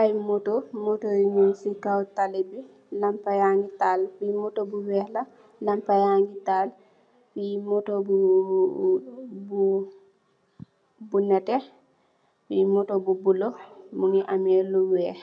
Ay motto, motto yi ñing ci kaw tali bi. Lampa ya ngi tahal, bi motto bu wèèx la lampa ya ngi tahal. Bi motto bu netteh bi motto bu bula mugii ameh lu wèèx.